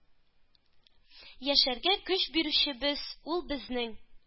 Яшәргә көч бирүчебез ул безнең,